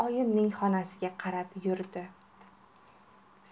oyimning xonasiga qarab yurdi